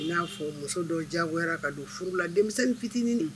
I n'a fɔ, muso dɔ jagoyara ka don furu la, denmisɛnnin fitinin